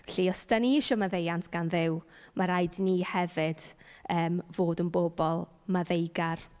Felly, os dan ni isie maddeuant gan Dduw, ma' raid i ni hefyd yym fod yn bobl maddeugar.